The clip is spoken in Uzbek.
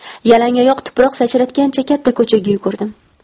yalangoyoq tuproq sachratgancha katta ko'chaga yugurdim